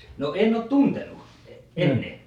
no en ole tuntenut ennen